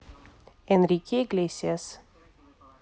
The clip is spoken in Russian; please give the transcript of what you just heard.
enrique iglesias